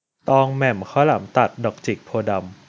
ตองแหม่มข้าวหลามตัดดอกจิกโพธิ์ดำ